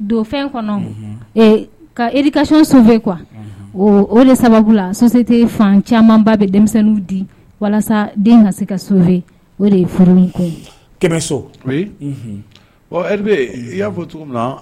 Don fɛn kɔnɔ kakaso so fɛ kuwa o de sababu la so tɛ fan camanba bɛ denmisɛnninw di walasa den ka se ka sofɛ o de ye furu kɛmɛso i y'a fɔ cogo min na